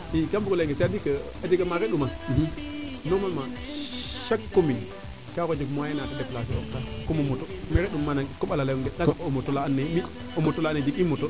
i kam mbug ngo ley nge c' est a dire que a jega maate ɗoma normalement chaque commune ka waro jeg moyen na te depalcer oox taa comme o moto me rend uma koɓala leyong de ka saq u o moto laa ando naye o moto laa jeg ee moto